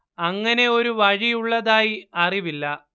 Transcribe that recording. അങ്ങനെ ഒരു വഴി ഉള്ളതായി അറിവില്ല